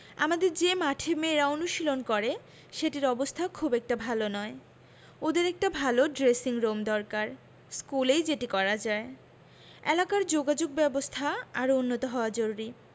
আমাদের যে মাঠে মেয়েরা অনুশীলন করে সেটির অবস্থা খুব একটা ভালো নয় ওদের একটা ভালো ড্রেসিংরুম দরকার স্কুলেই যেটি করা যায় এলাকার যোগাযোগব্যবস্থা আরও উন্নত হওয়া জরুরি